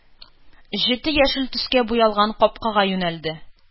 Җете яшел төскә буялган капкага юнәлде...